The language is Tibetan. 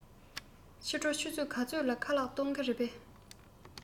ཕྱི དྲོ ཆུ ཚོད ག ཚོད ལ ཁ ལག གཏོང གི རེད པས